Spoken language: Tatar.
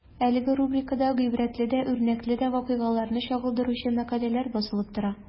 Әлеге рубрикада гыйбрәтле дә, үрнәкле дә вакыйгаларны чагылдыручы мәкаләләр басылып тора.